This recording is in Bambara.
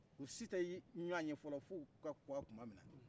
u si tɛ ɲɔɔ ɲe fɔlɔ f'u ka kɔkɔ tumamina